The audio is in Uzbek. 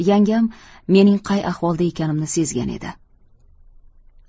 yangam mening qay ahvolda ekanimni sezgan edi